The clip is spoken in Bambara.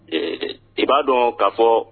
Ɛɛ i b'a dɔn k'a fɔ